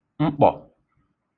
mkpọ̀